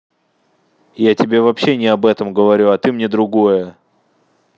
я тебе вообще не об этом говорю а ты мне другое